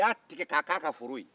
a y'a tigɛ k'a kɛ a ka foro ye